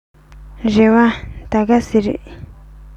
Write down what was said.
རེ བ ད ག ཟེ རེད